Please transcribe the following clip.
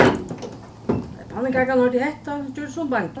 tá ið pannukakan hoyrdi hetta gjørdist hon bangin